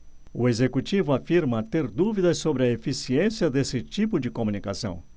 o executivo afirma ter dúvidas sobre a eficiência desse tipo de comunicação